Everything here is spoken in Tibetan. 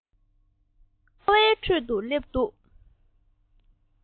ཁ རང ཁ བའི ཁྲོད དུ སླེབས འདུག